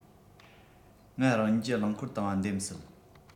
ང རང ཉིད ཀྱིས རླངས འཁོར བཏང བ འདེམས སྲིད